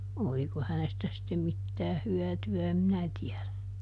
oliko hänestä sitten mitään hyötyä en minä tiedä